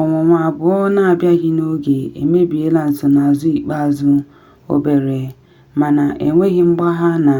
Ọnwụnwa abụọ na abịaghị n’oge emebiela nsonaazụ ikpeazụ obere, mana enweghị mgbagha na